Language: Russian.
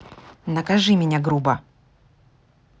накажи меня грубо